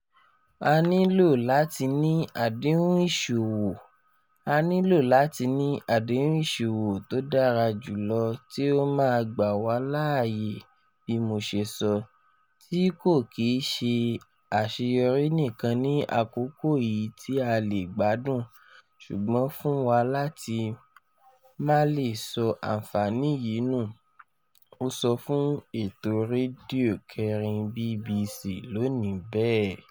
"A nílò láti ní àdéhùn ìṣòwò. A nílò láti ní àdéhùn ìṣòwò tó dára jùlọ tí ó máa gbà wá láàyè bí mo ṣe sọ, tí kò kì í ṣe àṣeyọrí nìkán ní àkókò yì tí a lé gbàdún, ṣùgbọ́n fún wa láti má le sọ àǹfààní yìí nù,” ó sọ fún ètò rédíò 4 BBC Lónìí bẹ́ẹ̀.